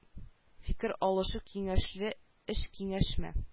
Фикер алышу киңәшле эш киңәшмә